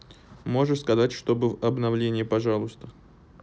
можешь сказать чтобы в обновление пожалуйста